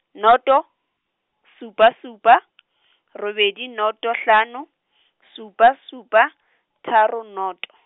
noto, supa supa , robedi noto hlano, supa supa, tharo noto.